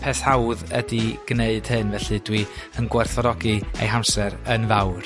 peth hawdd ydi gneud hyn felly dwi yn gwerthfawrogi eu hamser yn fawr.